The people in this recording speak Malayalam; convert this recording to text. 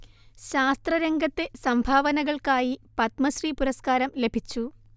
ശാസ്ത്ര രംഗത്തെ സംഭാവനകൾക്കായി പത്മശ്രീ പുരസ്കാരം ലഭിച്ചു